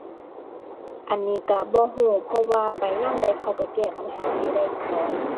อันนี้ก็บ่ก็ เพราะว่าไปยามใด เขาก็แก้ปัญหาให้ได้ตลอด